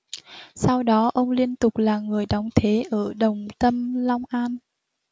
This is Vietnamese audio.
sau đó ông liên tục là người đóng thế ở đồng tâm long an